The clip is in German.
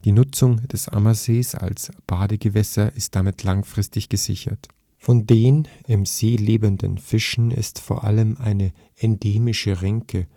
Nutzung des Ammersees als Badegewässer ist damit langfristig gesichert. Von den im See lebenden Fischen ist vor allem eine endemische Renke